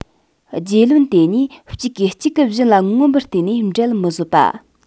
རྗེ བློན དེ གཉིས གཅིག གིས གཅིག གི བཞིན ལ མངོན པར བལྟས ནས འབྲལ མི བཟོད པ